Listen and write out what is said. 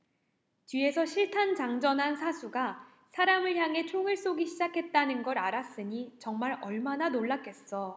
뒤에서 실탄 장전한 사수가 사람을 향해 총을 쏘기 시작했다는 걸 알았으니 정말 얼마나 놀랐겠어